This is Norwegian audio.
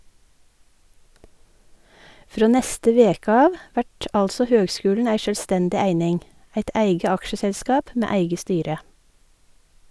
Frå neste veke av vert altså høgskulen ei sjølvstendig eining , eit eige aksjeselskap med eige styre.